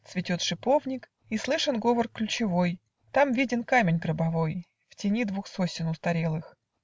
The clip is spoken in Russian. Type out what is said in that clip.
цветет шиповник, И слышен говор ключевой, - Там виден камень гробовой В тени двух сосен устарелых.